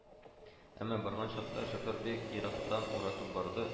Әмма барган чакта шофер бик ерактан уратып барды